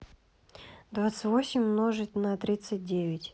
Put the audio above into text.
двадцать восемь умножить на тридцать девять